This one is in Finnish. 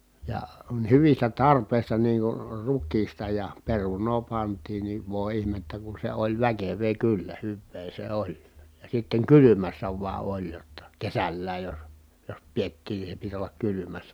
ja hyvistä tarpeista niin kuin rukiista ja perunaa pantiin niin voi ihmettä kun se oli väkevää kyllä hyvää se oli ja sitten kylmässä vain oli jotta kesälläkin jos jos pidettiin niin se piti olla kylmässä